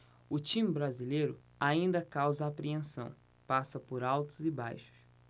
o time brasileiro ainda causa apreensão passa por altos e baixos